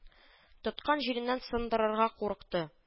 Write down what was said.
Тоткан җиреннән сындырырга курыкты